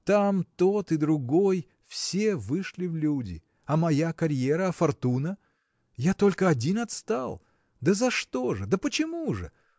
Там тот и другой – все вышли в люди. А моя карьера, а фортуна?. я только один отстал. да за что же? да почему же?